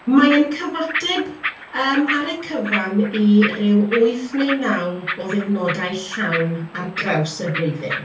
mae e'n cyfateb yym ar y cyfan i ryw wyth neu naw o ddiwrnodau llawn ar draws y flwyddyn.